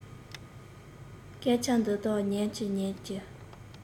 སྐད ཆ འདི དག ཉན གྱིན ཉན གྱིན